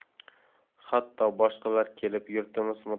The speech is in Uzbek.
hatto boshqalar kelib yurtimiz